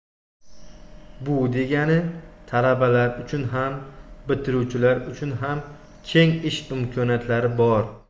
bu degani talabalar uchun ham bitiruvchilar uchun ham keng ish imkoniyatlari bor